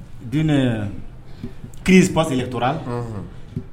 Dun ki paseke tora